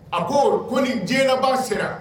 A ko ko nin diɲɛba sera